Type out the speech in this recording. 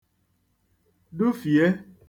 dufìè